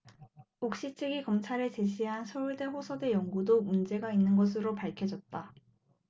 옥시 측이 검찰에 제시한 서울대 호서대 연구도 문제가 있는 것으로 밝혀졌다